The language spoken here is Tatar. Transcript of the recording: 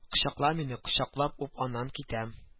Кочакла мине кочаклап үп аннан китәм